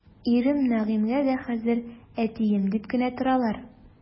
Ирем Нәгыймгә дә хәзер әтием дип кенә торалар.